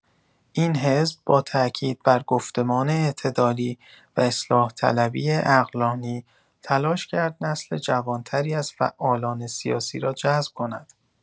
این حزب با تأکید بر گفتمان اعتدالی و اصلاح‌طلبی عقلانی، تلاش کرد نسل جوان‌تری از فعالان سیاسی را جذب کند.